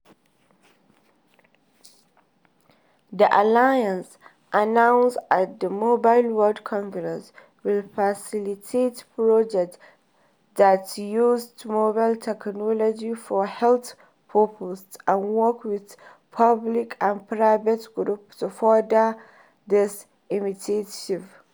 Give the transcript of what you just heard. The alliance, announced at the Mobile World Congress, will facilitate projects that use mobile technology for health purposes and work with public and private groups to further these initiatives.